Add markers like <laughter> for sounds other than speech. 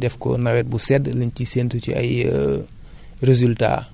def ko nawet bu sedd li ñu siy séntu ci ay <hesitation> résultats